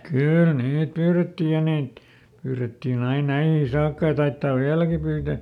kyllä niitä pyydettiin ja niitä pyydettiin aina näihin saakka ja taidetaan vieläkin pyytää